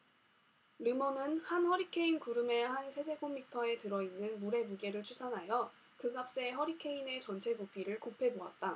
르몬은 한 허리케인 구름의 한 세제곱미터에 들어 있는 물의 무게를 추산하여 그 값에 허리케인의 전체 부피를 곱해 보았다